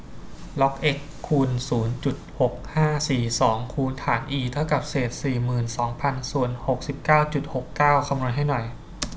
ล็อกเอ็กซ์คูณศูนย์จุดหกห้าสี่สองศูนย์ฐานอีเท่ากับเศษสี่หมื่นสองพันส่วนหกสิบเก้าจุดหกเก้าคำนวณให้หน่อย